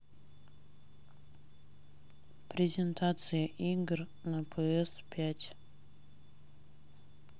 презентация игр на пс пять